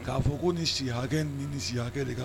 K'a fɔ ko ni si hakɛ ni ni si hakɛ de ka